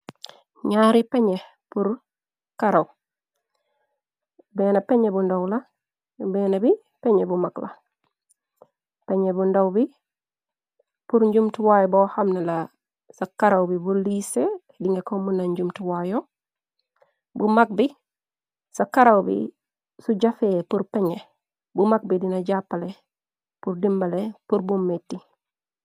Nyaari peñye pur kawar beña peñye bu ndow la, benna bi peñye bu mag la. Peñye bu ndow b pur njumtuwaayu bo xamna la. Ca karaw bi bu liise di nga ko muna njumtuwaayo. Bumak bi sa karaw bi su jafee pur peñye bu mak bi dina jàppale pur dimbale pur bum meti.